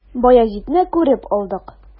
Баязитны күреп алдык.